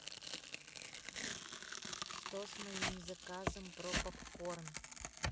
что с моим заказом про попкорн